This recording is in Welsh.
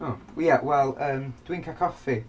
O, ie wel yym, dwi'n cael coffi.